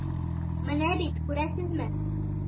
Менә бит, күрәсезме.